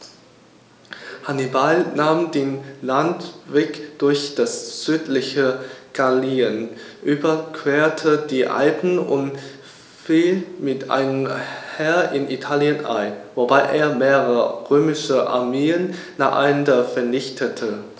Hannibal nahm den Landweg durch das südliche Gallien, überquerte die Alpen und fiel mit einem Heer in Italien ein, wobei er mehrere römische Armeen nacheinander vernichtete.